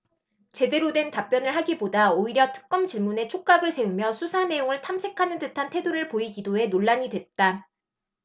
제대로 된 답변을 하기보다 오히려 특검 질문에 촉각을 세우며 수사 내용을 탐색하는 듯한 태도를 보이기도 해 논란이 됐다